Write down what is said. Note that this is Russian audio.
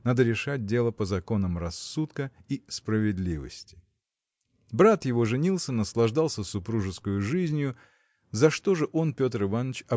надо решать дело по законам рассудка и справедливости. Брат его женился наслаждался супружеской жизнию – за что же он Петр Иваныч